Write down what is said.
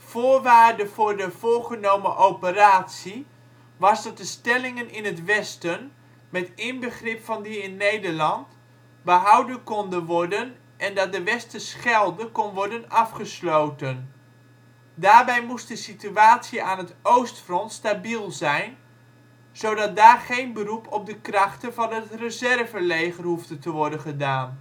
Voorwaarde voor de voorgenomen operatie was dat de stellingen in het westen, met inbegrip van die in Nederland, behouden konden worden en dat de Westerschelde kon worden afgesloten. Daarbij moest de situatie aan het oostfront stabiel zijn, zodat daar geen beroep op de krachten van het reserveleger hoefde te worden gedaan